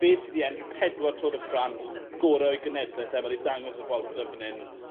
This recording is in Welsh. fe sy 'di enill pedwar Tour de France. Gore' o'i genedleth e ma' 'di dangos y Vuelta fan 'yn